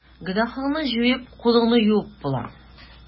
Гөнаһыңны җуеп, кулыңны юып була.